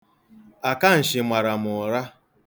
Akanshị mara m ụra.